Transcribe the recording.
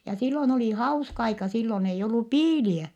ja silloin oli hauska aika silloin ei ollut piilejä